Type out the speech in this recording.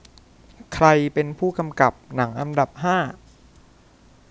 ใครเป็นผู้กำกับหนังอันดับสี่